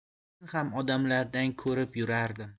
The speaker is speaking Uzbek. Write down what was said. chunki men odamlardan ko'rib yurardim